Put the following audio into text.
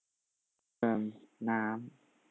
เติมน้ำ